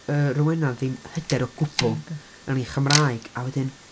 yy, Rowena, ddim hyder o gwbl yn ei Chymraeg. A wedyn...